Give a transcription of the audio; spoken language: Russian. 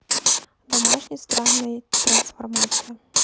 домашний страной трансформация